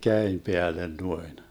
käden päälle noin